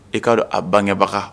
E kaa di a bangebaga